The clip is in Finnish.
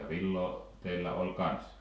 ja villaa teillä oli kanssa